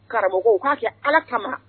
Karamɔgɔ u k'a kɛ ala kama